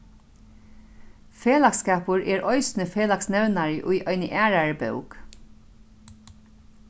felagsskapur er eisini felagsnevnari í eini aðrari bók